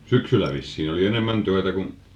syksyllä vissiin oli enemmän työtä kun